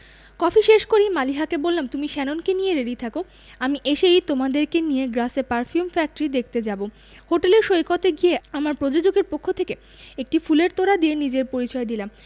coffee শেষ করেই মালিহাকে বললাম তুমি শ্যাননকে নিয়ে রেডি থেকো আমি এসেই তোমাদের নিয়ে গ্রাসে পারফিউম ফ্যাক্টরি দেখতে যাবো হোটেলের সৈকতে গিয়ে আমার প্রযোজকের পক্ষ থেকে একটি ফুলের তোড়া দিয়ে নিজের পরিচয় দিলাম